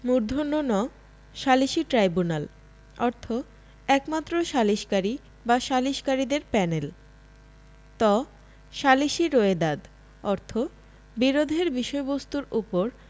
ণ সালিসী ট্রাইব্যুনাল অর্থ একমাত্র সালিসকারী বা সালিসকারীদের প্যানেল ত সালিসী রোয়েদাদ অর্থ বিরোধের বিষয়বস্তুর উপর